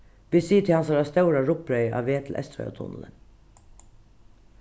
vit sita í hansara stóra rugbreyði á veg til eysturoyartunnilin